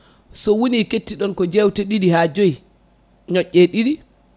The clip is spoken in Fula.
so woni kettiɗon ko jewte ɗiɗi ha joyyi ñoƴƴe ɗiɗi